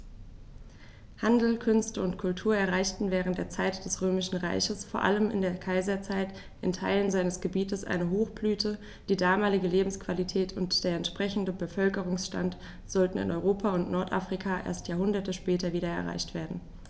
Handel, Künste und Kultur erreichten während der Zeit des Römischen Reiches, vor allem in der Kaiserzeit, in Teilen seines Gebietes eine Hochblüte, die damalige Lebensqualität und der entsprechende Bevölkerungsstand sollten in Europa und Nordafrika erst Jahrhunderte später wieder erreicht werden.